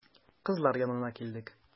Кызлар янына килдек.